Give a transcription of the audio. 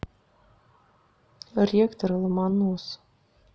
ректоры ломонос